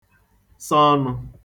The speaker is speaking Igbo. sa ọnụ̄